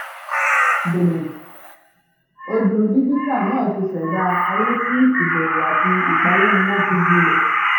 #Bénin Odù díjítà náà ti ṣẹ̀dá ayé tí ìbẹ̀rù àti ìpalẹ́numọ́ ti gbilẹ̀.